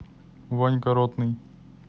ванька ротный